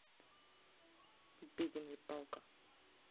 беденный палка